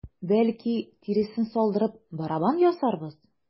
Бәлки, тиресен салдырып, барабан ясарбыз?